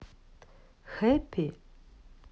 happy